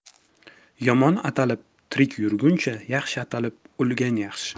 yomon atalib tirik yurguncha yaxshi atalib o'lgan yaxshi